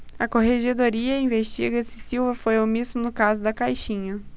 a corregedoria investiga se silva foi omisso no caso da caixinha